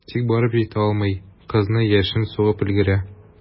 Тик барып җитә алмый, кызны яшен сугып өлгерә.